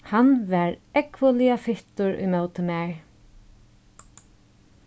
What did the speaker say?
hann var ógvuliga fittur ímóti mær